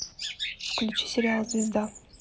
включи сериал звезда